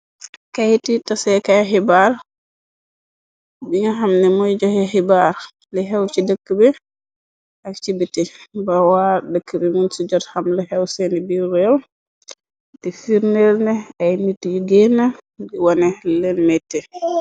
Kayti taseekaay xibaar, bi nga xamne mooy joxe xibaar li xew ci dëkk bi, ak ci biti bawaa dëkk bi mun ci jot, xamlu xew seeni biir réew, di firnerne ay nit yu géena di wone lileen meti.